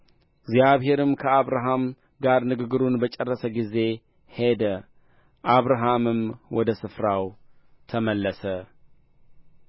እግዚአብሔርም ከአብርሃም ጋር ንግግሩን በጨረሰ ጊዜ ሄደ አብርሃምም ወደ ስፍራው ተመለሰ